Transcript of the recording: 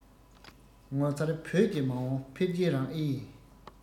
ངོ མཚར བོད ཀྱི མ འོངས འཕེལ རྒྱས རང ཨེ ཡིན